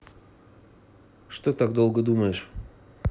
что так долго думаешь